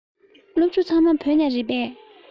སློབ ཕྲུག ཚང མ བོད ལྗོངས ནས རེད པས